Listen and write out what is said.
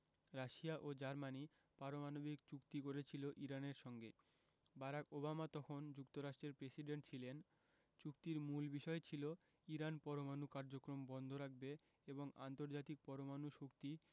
Russia ও Germany পারমাণবিক চুক্তি করেছিল ইরানের সঙ্গে বারাক ওবামা তখন যুক্তরাষ্ট্রের প্রেসিডেন্ট ছিলেন চুক্তির মূল বিষয় ছিল ইরান পরমাণু কার্যক্রম বন্ধ রাখবে এবং আন্তর্জাতিক পরমাণু শক্তি